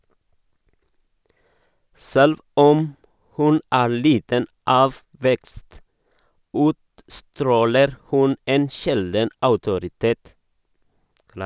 Selv om hun er liten av vekst, utstråler hun en sjelden autoritet.